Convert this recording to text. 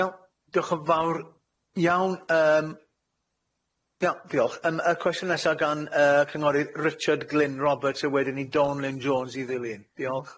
Iawn diolch yn fawr iawn yym ia diolch yym y cwestiwn nesa gan yy cynghorydd Richard Glyn Roberts a wedyn i Dawn Lyn Jones i ddilyn diolch.